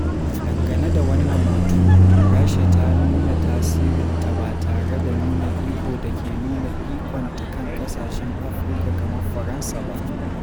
Dangane da wannan batu, Rasha ta nuna tasirinta ba tare da nuna iko da ke nuna ikonta kan ƙasashen Afirka kamar Faransa ba.